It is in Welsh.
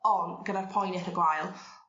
on' gyda'r poen eitha gwael